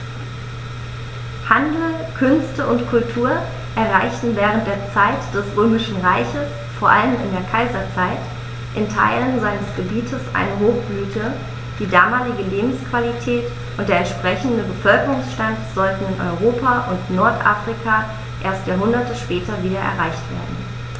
Handel, Künste und Kultur erreichten während der Zeit des Römischen Reiches, vor allem in der Kaiserzeit, in Teilen seines Gebietes eine Hochblüte, die damalige Lebensqualität und der entsprechende Bevölkerungsstand sollten in Europa und Nordafrika erst Jahrhunderte später wieder erreicht werden.